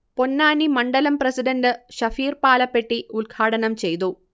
പൊന്നാനി മണ്ഡലം പ്രസിഡണ്ട് ശഫീർ പാലപ്പെട്ടി ഉൽഘാടനം ചെയ്തു